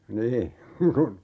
niin kun